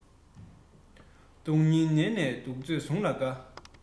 ཁེ གྱོང གཉིས ལ སྦོམ ཕྲ ཤོར བའི དུས